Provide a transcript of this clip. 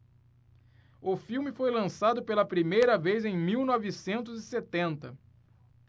o filme foi lançado pela primeira vez em mil novecentos e setenta